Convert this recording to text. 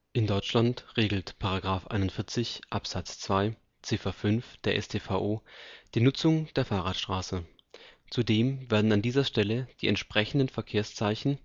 Deutschland regelt § 41 Abs. 2 Ziff. 5 der StVO die Nutzung der Fahrradstraße. Zudem werden an dieser Stelle die entsprechenden Verkehrszeichen